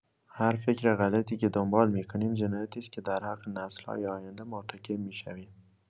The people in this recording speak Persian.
هر فکر غلطی که دنبال می‌کنیم، جنایتی است که در حق نسل‌های آینده مرتکب می‌شویم.